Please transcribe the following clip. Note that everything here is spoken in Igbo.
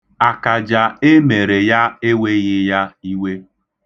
Akaja e mere ya eweghị ya iwe.